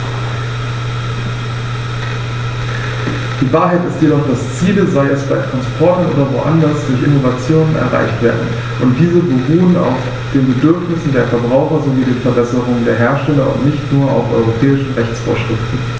Die Wahrheit ist jedoch, dass Ziele, sei es bei Transportern oder woanders, durch Innovationen erreicht werden, und diese beruhen auf den Bedürfnissen der Verbraucher sowie den Verbesserungen der Hersteller und nicht nur auf europäischen Rechtsvorschriften.